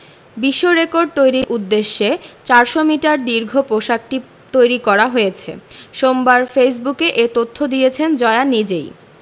বিশ্বরেকর্ড তৈরির উদ্দেশ্যে ৪০০ মিটার দীর্ঘ পোশাকটি তৈরি করা হয়েছে সোমবার ফেসবুকে এ তথ্য দিয়েছেন জয়া নিজেই